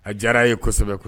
A diyara yesɛbɛ